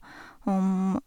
Om...